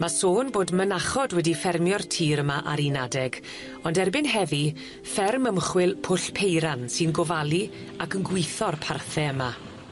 Ma' sôn bod mynachod wedi ffermio'r tir yma ar un adeg ond erbyn heddi fferm ymchwil Pwll Peiran sy'n gofalu ac yn gwitho'r parthe yma.